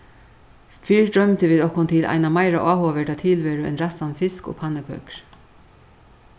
fyrr droymdu vit okkum til eina meira áhugaverda tilveru enn ræstan fisk og pannukøkur